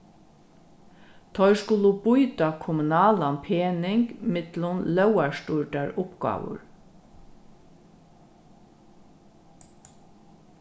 teir skulu býta kommunalan pening millum lógarstýrdar uppgávur